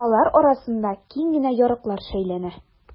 Алар арасында киң генә ярыклар шәйләнә.